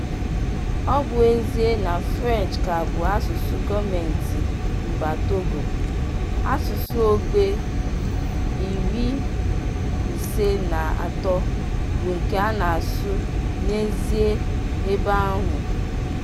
Ọ bụ ezie na French ka bụ asụsụ gọọmentị mba Togo, asụsụ ogbe 53 bụ nke a na-asụ n'ezie ebe ahụ.